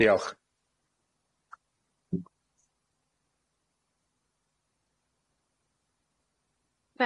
Diolch.